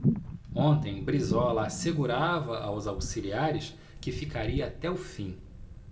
ontem brizola assegurava aos auxiliares que ficaria até o fim